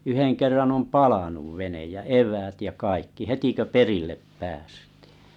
yhden kerran on palanut vene ja eväät ja kaikki heti kun perille päästiin